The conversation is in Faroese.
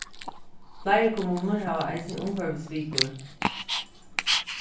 fleiri kommunur hava eisini umhvørvisvikur